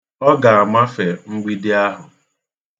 Ọ ga-amafe mgbidi ahụ.